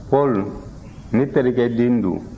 paul ne terikɛ den don